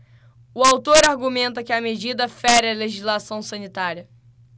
o autor argumenta que a medida fere a legislação sanitária